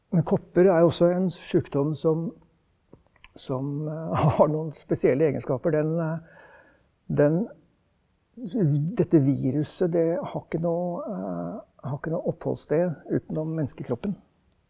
men kopper er jo også en sjukdom som som har noen spesielle egenskaper, den den dette viruset det har ikke noe har ikke noe oppholdssted utenom menneskekroppen.